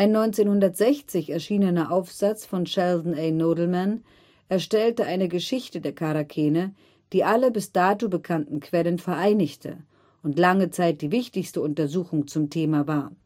1960 erschienener Aufsatz von Sheldon A. Nodelmann erstellte eine Geschichte der Charakene, die alle bis dato bekannten Quellen vereinigte, und lange Zeit die wichtigste Untersuchung zum Thema war